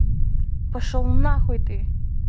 пошел нахуй ты